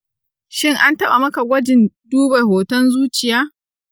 shin an taɓa maka gwajin duba hoton zuciya?